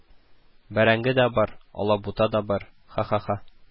– бәрәңге дә бар, алабута да бар, ха-ха-ха